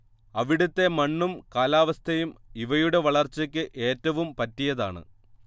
അവിടത്തെ മണ്ണും കാലാവസ്ഥയും ഇവയുടെ വളർച്ചയ്ക്ക് ഏറ്റവും പറ്റിയതാണ്